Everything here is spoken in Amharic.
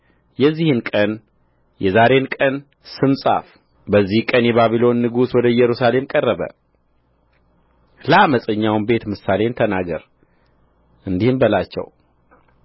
የዚህን ቀን የዛሬን ቀን ስም ጻፍ በዚህ ቀን የባቢሎን ንጉሥ ወደ ኢየሩሳሌም ቀረበ ለዓመፀኛውም ቤት ምሳሌን ተናገር እንዲህም በላቸው